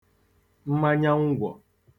mmanyangwọ̀